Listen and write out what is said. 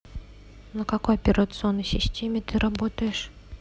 на какой операционной системе ты работаешь